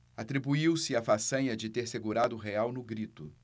atribuiu-se a façanha de ter segurado o real no grito